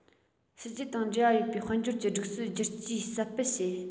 ཕྱི རྒྱལ དང འབྲེལ བ ཡོད པའི དཔལ འབྱོར གྱི སྒྲིག སྲོལ བསྒྱུར བཅོས ཟབ སྤེལ བྱས